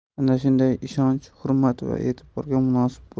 ana shunday ishonch hurmat va e'tiborga